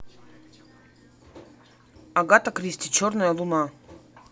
агата кристи черная луна